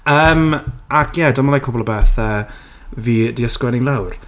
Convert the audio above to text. Yym ac ie dyma like cwpl o bethau fi 'di ysgrifennu i lawr.